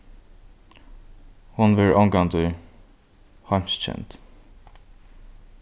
hon verður ongantíð heimskend